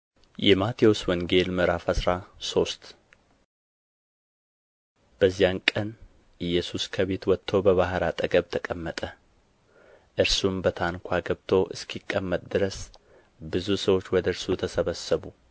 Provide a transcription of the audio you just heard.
﻿የማቴዎስ ወንጌል ምዕራፍ አስራ ሶስት በዚያን ቀን ኢየሱስ ከቤት ወጥቶ በባሕር አጠገብ ተቀመጠ እርሱም በታንኳ ገብቶ እስኪቀመጥ ድረስ ብዙ ሰዎች ወደ እርሱ ተሰበሰቡ